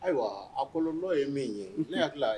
Ayiwa a kololɔ ye min ye unhun ne hakili laa